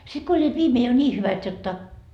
sitten kun olivat viimein jo niin hyvät jotta